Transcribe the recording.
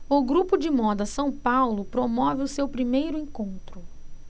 o grupo de moda são paulo promove o seu primeiro encontro